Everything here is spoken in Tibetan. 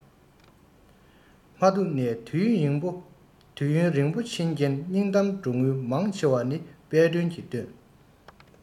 མ ཐུགས ནས དུས ཡུན རིང པོ ཕྱིན རྐྱེན སྙིང གཏམ འགྲོ དངུལ མང ཆེ བ ནི དཔལ སྒྲོན གྱི བཏོན